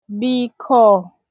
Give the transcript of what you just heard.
bìkọ